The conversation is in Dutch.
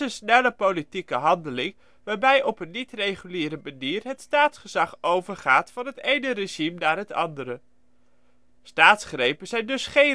snelle politieke handeling, waarbij op een niet-reguliere manier het staatsgezag overgaat van het ene regime naar het andere. Staatsgrepen zijn dus geen